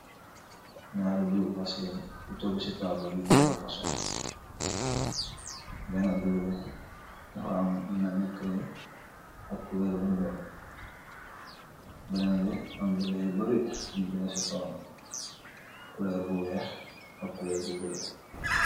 Nyari dewe Vaseline su tugu se table yu bokut fusung , bena dewbi dafa am lu melne creme ak coloor bu njol , benen bi am beda yu bary yun beda se kawam coloor bu weeh ak coloor bu bluelo.